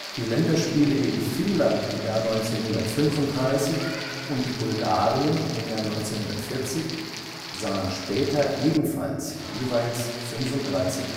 Die Länderspiele gegen Finnland 1935 und Bulgarien 1940 sahen später ebenfalls jeweils 35.000